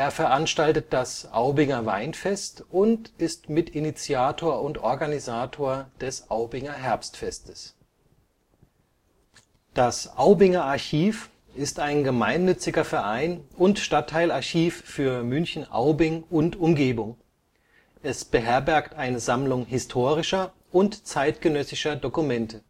veranstaltet das Aubinger Weinfest und ist Mitinitiator und - organisator des Aubinger Herbstfestes. Das Aubinger Archiv ist ein gemeinnütziger Verein und Stadtteilarchiv für München-Aubing und Umgebung. Es beherbergt eine Sammlung historischer und zeitgenössischer Dokumente